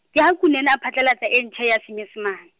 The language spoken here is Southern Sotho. ke ha Kunene a phatlallatsa e ntjha ya Senyesemane.